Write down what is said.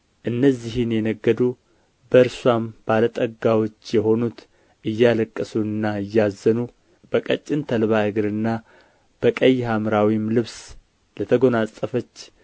እነዚህን የነገዱ በእርስዋም ባለ ጠጋዎች የሆኑት እያለቀሱና እያዘኑ በቀጭን ተልባ እግርና በቀይ ሐምራዊም ልብስ ለተጐናጸፈች